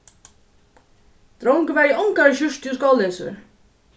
drongurin var í ongari skjúrtu og skóleysur